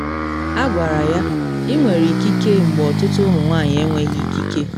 Agwara ya, “ị nwere ikike mgbe ọtụtụ ụmụ nwanyị enweghị ikike.””